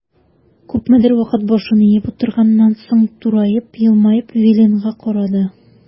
Күпмедер вакыт башын иеп утырганнан соң, тураеп, елмаеп Виленга карады.